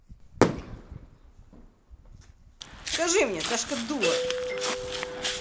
скажи мне дашка дура